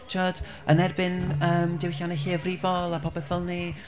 timod, yn erbyn yym, diwylliannau lleiafrifol a popeth fel 'ny.